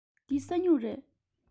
འདི ས སྨྱུག རེད